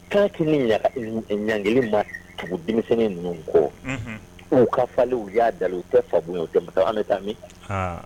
Tanki ɲ ma tugu denmisɛnnin ninnu ko u ka fali y'a da u kɛ fa an bɛ taa min